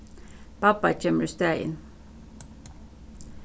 babba kemur í staðin